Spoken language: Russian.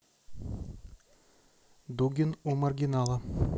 дугин у маргинала